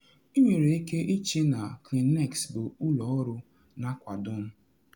“Ị nwere ike ịche na Kleenex bụ ụlọ ọrụ na akwado m.